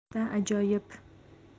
g'oyatda ajoyib